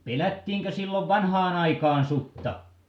pelättiinkö silloin vanhaan aikaan sutta